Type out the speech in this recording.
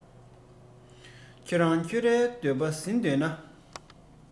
ཁྱོད རང ཁྱོད རའི འདོད པ ཟིན འདོད ན